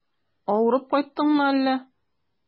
Авырып кайттыңмы әллә?